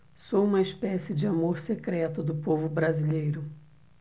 sou uma espécie de amor secreto do povo brasileiro